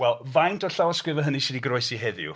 Wel faint o'r llawysgrifau hynny sydd 'di goroesi heddiw?